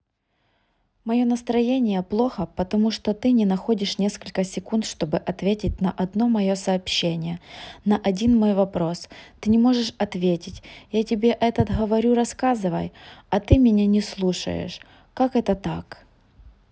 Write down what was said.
мое настроение плохо потому что ты не находишь несколько секунд чтобы ответить на одно мое сообщение на один мой вопрос ты не можешь ответить я тебе этот говорю рассказывай а ты меня не слушаешь как это так